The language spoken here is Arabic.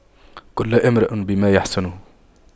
كل امرئ بما يحسنه